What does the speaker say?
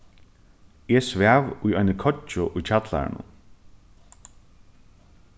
eg svav í eini koyggju í kjallaranum